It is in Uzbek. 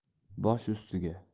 bosh ustiga